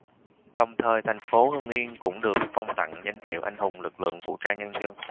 đồng thời thành phố hưng yên cũng được phong tặng danh hiệu anh hùng lực lượng vũ trang nhân dân